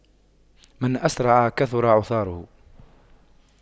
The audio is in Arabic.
من أسرع كثر عثاره